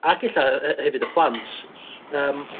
Ac ella - yy yy hefyd y plant yym